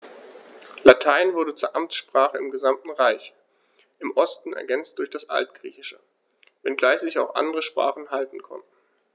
Latein wurde zur Amtssprache im gesamten Reich (im Osten ergänzt durch das Altgriechische), wenngleich sich auch andere Sprachen halten konnten.